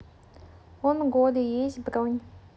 онголе есть бронь